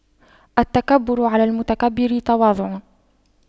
التكبر على المتكبر تواضع